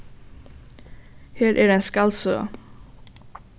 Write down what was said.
her er ein skaldsøga